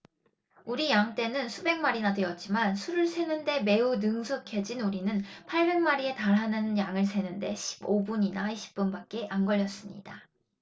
우리 양 떼는 수백 마리나 되었지만 수를 세는 데 매우 능숙해진 우리는 팔백 마리에 달하는 양을 세는 데 십 오 분이나 이십 분밖에 안 걸렸습니다